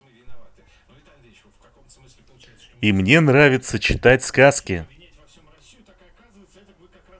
и мне нравится читать сказки